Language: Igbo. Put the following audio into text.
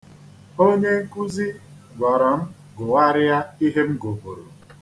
Onye nkuzi gwara m gụgharịa ihe m gụburu.